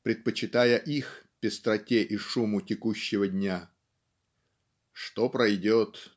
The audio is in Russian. предпочитая их пестроте и шуму текущего дня. "Что пройдет